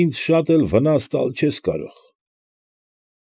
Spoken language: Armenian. Ինձ շատ էլ վնաս տալ չես կարող։